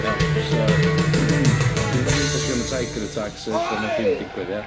Iawn, so dwi 'di deutha chi am y tiger attack sy ella wnaeth ddim digwydd ia.